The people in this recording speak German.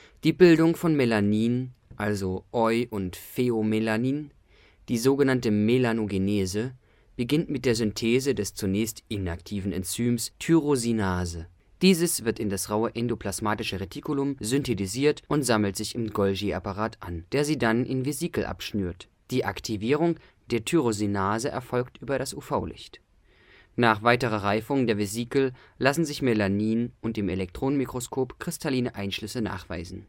Die Bildung von Melanin (Eu - und Pheomelanin), die so genannte Melanogenese, beginnt mit der Synthese des zunächst inaktiven Enzyms Tyrosinase. Dieses wird in das raue endoplasmatische Retikulum synthetisiert und sammelt sich im Golgi-Apparat an, der sie dann in Vesikel abschnürt. Die Aktivierung der Tyrosinase erfolgt über UV-Licht. Nach weiterer Reifung der Vesikel lassen sich Melanin und im Elektronenmikroskop kristalline Einschlüsse nachweisen